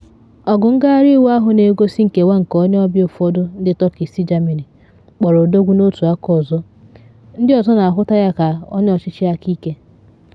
Ọgụ ngagharị iwe ahụ na egosi nkewa nke onye ọbịa ụfọdụ ndị Turkey si Germany kpọrọ odogwu n’otu aka ọzọ ndị ọzọ na ahụta ya ka onye ọchịchị akaike.